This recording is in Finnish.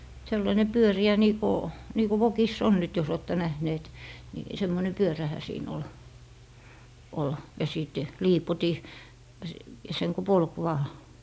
sellainen pyöreä niin kuin niin kuin vokissa on nyt jos olette nähneet niin semmoinen pyörähän siinä oli oli ja sitten liipotin - sen kun polki vain